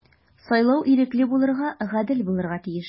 Сайлау ирекле булырга, гадел булырга тиеш.